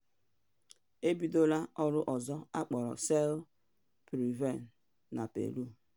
E bidola ọrụ ọzọ akpọrọ Cell-PREVEN na Peru.